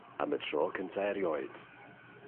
...am y tro cynta erioed.